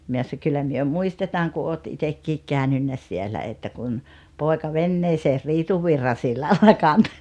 me - kyllä me muistetaan kun olet itsekin käynyt siellä että kun poika veneeseen Riitunvirran sillalla kantoi